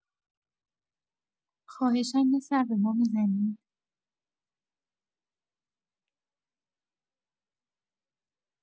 خواهشا یه سر به ما می‌زنید؟